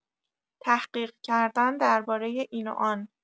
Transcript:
تحقیق کردن درباره این و آن